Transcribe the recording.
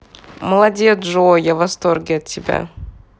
молодец джой я в восторге от тебя